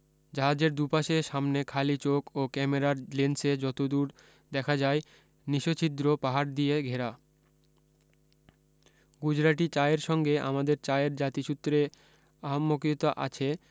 জাহাজের দুপাশে সামনে খালি চোখ ও ক্যামেরার লেন্সে যত দূর দেখা যায় নিশছিদ্র পাহাড় দিয়ে ঘেরা গুজরাটি চায়ের সঙ্গে আমাদের চায়ের জাতিসূত্রে আহম্মকীয়তা আছে